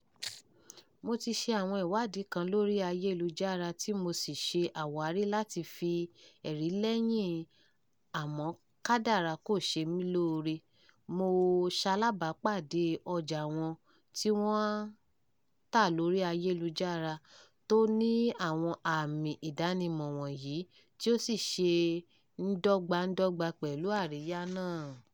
Mo ti ṣe àwọn ìwádìí kan lórí ayélujára tí mo sì ṣe àwárí láti fi ti ẹ̀rí lẹ́yìn àmọ́ kádàrá kò ṣe mí lóore, mo ṣalábàápàdé ọjàa wọn tí wọ́n ń tà lórí ayélujára tó ní àwọn ààmi ìdánimọ̀ wọ̀nyí, tí ó sì ṣe dọ́gba-n-dọ́gba pẹ̀lú àríyá náà...